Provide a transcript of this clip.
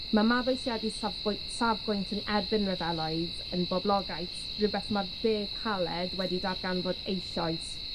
Ma' mabwysiadu safbwy- safbwynt yn erbyn ryfeloedd yn boblogaidd, rywbeth ma'r De Caled wedi darganfod eisoes.